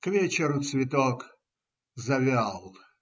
К вечеру цветок завял.